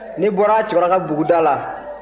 ne bɔra cɛkura ka buguda la